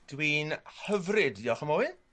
Dwi'n hyfryd diolch am ofyn.